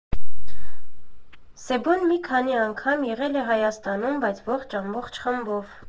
Սեբուն մի քանի անգամ եղել է Հայաստանում, բայց ոչ ամբողջ խմբով։